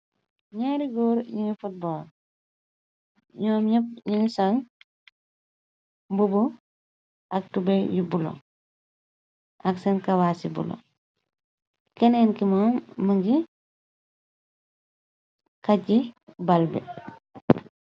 ñaari góor ñuy football ñoo ñëpp ñiñ sang mbubu ak tube yu bulo ak seen kawaa ci bulo keneen ki mo mëngi kajji balbi